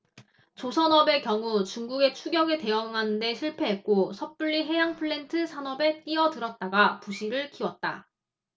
조선업의 경우 중국의 추격에 대응하는 데 실패했고 섣불리 해양플랜트 산업에 뛰어들었다가 부실을 키웠다